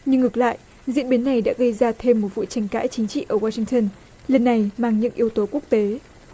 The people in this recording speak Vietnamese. nhưng ngược lại diễn biến này đã gây ra thêm một vụ tranh cãi chính trị ở oa sinh tơn lần này mang những yếu tố quốc tế